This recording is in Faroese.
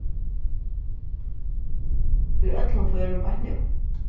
í øllum førum beint nú